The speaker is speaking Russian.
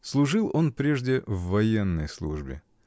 Служил он прежде в военной службе.